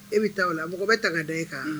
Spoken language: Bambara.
E bɛ taa o la mɔgɔ bɛ tanga da e kan